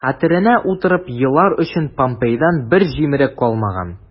Хәтеренә утырып елар өчен помпейдан бер җимерек калмаган...